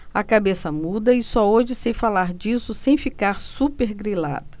a cabeça muda e só hoje sei falar disso sem ficar supergrilada